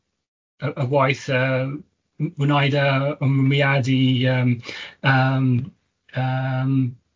y y waith yy. M- gwneud yr ymrwmiad i yym yym yym